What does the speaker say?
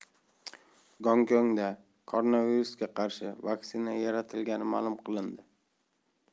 gonkongda koronavirusga qarshi vaksina yaratilgani ma'lum qilindi